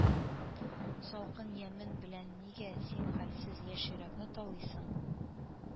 Салкын ямең белән нигә син Хәлсез яшь йөрәкне талыйсың